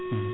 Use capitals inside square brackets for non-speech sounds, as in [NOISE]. [HESITATION] [HESITATION]